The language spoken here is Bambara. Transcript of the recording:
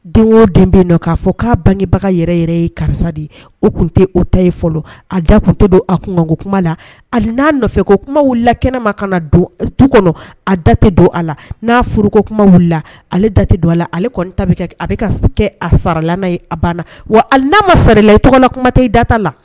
Den o den bɛ k'a fɔ k'a bangebaga yɛrɛ yɛrɛ ye karisa de ye o tun tɛ o ta ye a da tun to don a kungo kuma la a n'a nɔfɛ ko kuma la kɛnɛ ma don tu kɔnɔ a datɛ don a la n'a furuko kuma wili ale datɛ don a la ale kɔni ta a bɛ kɛ a sarala ye a banna wa a n'a ma sarala tɔgɔla kuma ta i data la